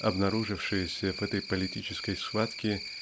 обнаружившееся в этой политической схватке